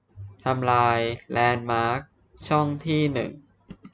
ทำลายแลนด์มาร์คช่องที่หนึ่ง